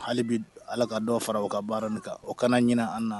Hali bi ala ka dɔw fara u ka baara kan o kana ɲin an na